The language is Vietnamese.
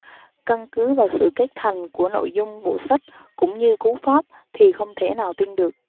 căn cứ vào sự kết thành của nội dung bộ sách cũng như cú pháp thì không thể nào tin được